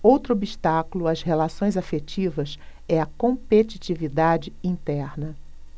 outro obstáculo às relações afetivas é a competitividade interna